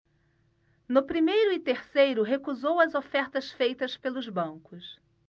no primeiro e terceiro recusou as ofertas feitas pelos bancos